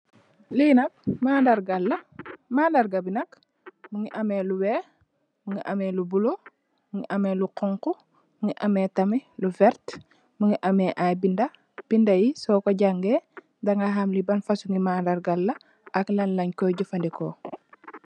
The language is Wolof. li nak mandarga la mandarga bi nak mungi ame lu wex mungi ame lu bula mungi ame lu xonxu mungi ame tamit lu wert mungi ame ay binda binda Yi soko jange dinga xam li ban fasong ngir mandarga la ak nogi koi jafandiko